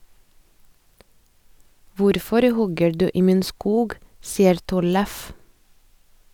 "Hvorfor hogger du i min skog?" sier Tollef.